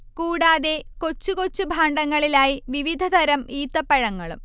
കൂടാതെ കൊച്ചു കൊച്ചു ഭാണ്ഡങ്ങളിലായി വിവിധതരം ഈത്തപ്പഴങ്ങളും